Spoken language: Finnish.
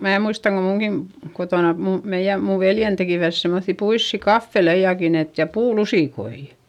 minä muistan kun minunkin kotona - meidän minun veljeni tekivät semmoisia puisia kahveleitakin että ja puulusikoita